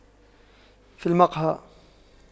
في المقهى